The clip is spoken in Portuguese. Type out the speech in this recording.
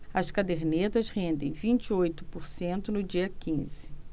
as cadernetas rendem vinte e oito por cento no dia quinze